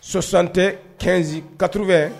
Sososan tɛ kɛsin kaurubɛ